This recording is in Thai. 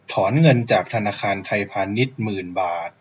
ถอนเงินจากธนาคารไทยพาณิชย์หมื่นบาท